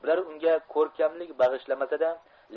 bular unga ko'rkamlik bag'ishlamasa da